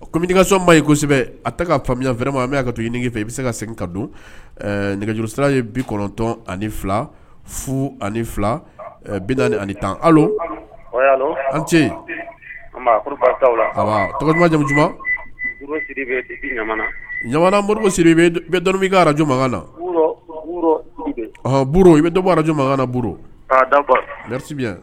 Kɔmikasɔnba yesɛbɛ a ta ka faamuyayan fɛma bɛ ka to i ɲini fɛ i bɛ se ka segin ka don nɛgɛjuru sira ye bi kɔnɔntɔn ani fila fu ani fila bi tan an ce jamu mori arajma na i bɛ arajana